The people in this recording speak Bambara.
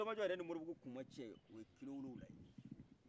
kulomajɔ yɛrɛ ni mɔribugu kuma cɛ o ye kilowolofila